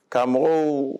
Karamɔgɔ